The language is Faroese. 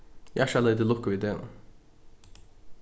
hjartaliga til lukku við degnum